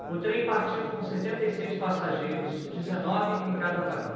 o trem partiu com setenta e seis passageiros dezenove em cada vagão